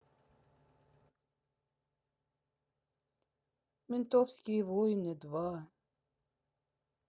ментовские войны два